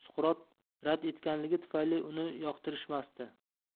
suqrot rad etganligi tufayli uni yoqtirishmasdi